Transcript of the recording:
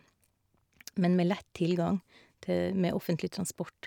Men med lett tilgang te med offentlig transport.